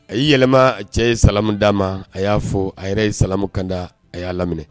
A y'i yɛlɛma cɛ ye salamu da ma a y'a fɔ a yɛrɛ ye salamu